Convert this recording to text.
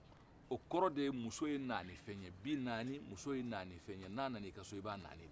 o kɔrɔ de ye muso ye naani fɛn ye bi nani muso ye naani fɛn ye n'a nana i ka so i b'a naani